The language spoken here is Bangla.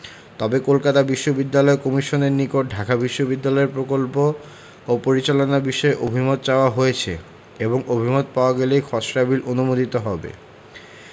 তবে কলকাতা বিশ্ববিদ্যালয় কমিশনের নিকট ঢাকা বিশ্ববিদ্যালয় প্রকল্প ও পরিচালনা বিষয়ে অভিমত চাওয়া হয়েছে এবং অভিমত পাওয়া গেলেই খসড়া বিল অনুমোদিত হবে